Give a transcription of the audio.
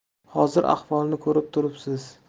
hozir ahvolni ko'rib turibsiz